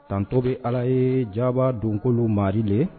Tantɔ bɛ ala ye jaba donkolo maliri de